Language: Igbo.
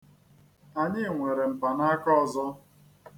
Anyị nwere mpanaaka ọzọ.